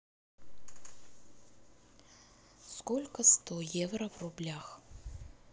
сколько сто евро в рублях